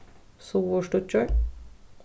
suðurstíggjur